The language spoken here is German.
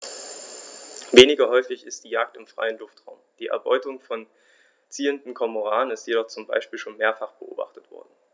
Weniger häufig ist die Jagd im freien Luftraum; die Erbeutung von ziehenden Kormoranen ist jedoch zum Beispiel schon mehrfach beobachtet worden.